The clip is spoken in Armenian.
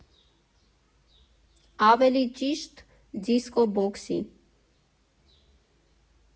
Ավելի ճիշտ՝ դիսկո֊բոքսի։